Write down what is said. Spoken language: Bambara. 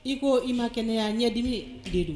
I ko i ma kɛnɛyaya ɲɛdimi de don